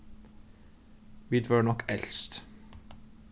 vit vóru nokk elst